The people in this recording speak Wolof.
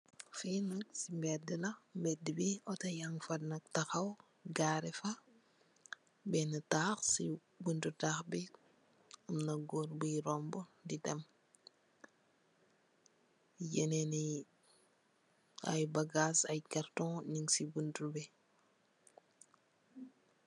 Fii nak si mbéédë la, mbéédë mi Otto yaang fa taxaw, beenë taax ,si buntu taax bi, beenë góor mung fa di dem. Ay bagaas, ay kartoñg mung si buntu bi.